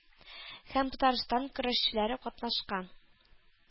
Һәм татарстан көрәшчеләре катнашкан.